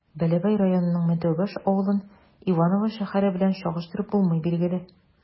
Бәләбәй районының Мәтәүбаш авылын Иваново шәһәре белән чагыштырып булмый, билгеле.